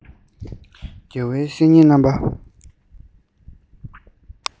དགེ བའི བཤེས གཉེན རྣམ པ